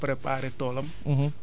pour mun a préparer toolam